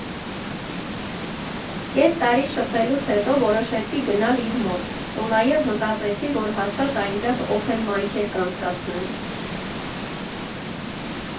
Կես տարի շփվելուց հետո որոշեցի գնալ իր մոտ ու նաև մտածեցի, որ հաստատ այնտեղ օփեն մայքեր կանցկացնեն։